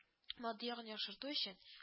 Матди ягын яхшырту өчен